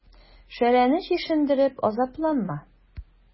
Шәрәне чишендереп азапланма.